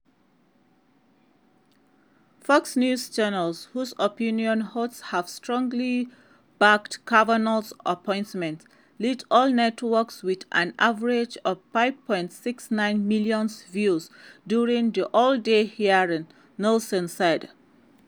Fox News Channel, whose opinion hosts have strongly backed Kavanaugh's appointment, led all networks with an average of 5.69 million viewers during the all-day hearing, Nielsen said.